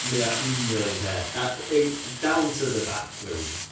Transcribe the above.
mae o union yr un peth a- in- down to the bathroom